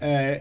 eyyi